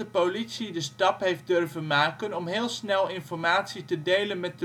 politie de stap heeft durven maken om heel snel informatie te delen met